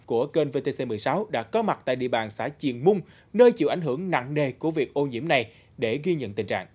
của kênh vê tê xê mười sáu đã có mặt tại địa bàn xã chiềng mung nơi chịu ảnh hưởng nặng nề của việc ô nhiễm này để ghi nhận tình trạng